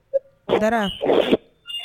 A dara?